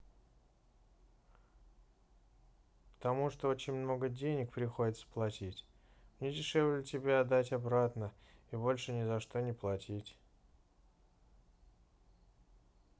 потому что очень много денег приходится платить мне дешевле тебя отдать обратно и больше ни за что не платить